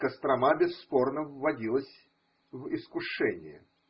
Кострома, бесспорно, вводилась и искушение.